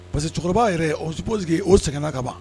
Parce que cɛkɔrɔba yɛrɛ on suppose_ o sɛgɛnna kaban